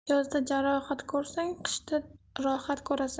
yozda jarohat ko'rsang qishda rohat ko'rasan